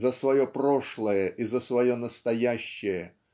за свое прошлое и за свое настоящее